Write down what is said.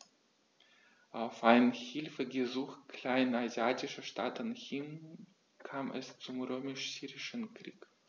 Auf ein Hilfegesuch kleinasiatischer Staaten hin kam es zum Römisch-Syrischen Krieg.